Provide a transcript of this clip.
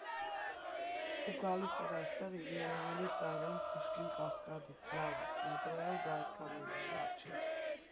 Ու գալիս էր այստեղ իր երևելի Սարյան֊Պուշկին֊Կասկադից՝ լավ է, մետրոյով դա այդքան էլ դժվար չէր։